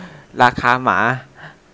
ราคาหมา